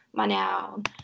Mae'n iawn.